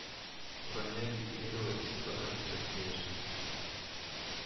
Нурания Биктимирова Иске Татар бистәсендә яши